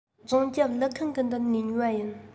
རྫོང རྒྱབ ཀླུ ཁང གི མདུན ནས ཉོས པ ཡིན